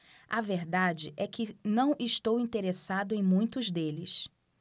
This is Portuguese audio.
a verdade é que não estou interessado em muitos deles